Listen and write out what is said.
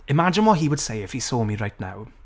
Imagine what he would say if he saw me right now.